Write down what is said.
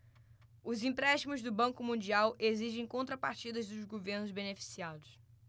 os empréstimos do banco mundial exigem contrapartidas dos governos beneficiados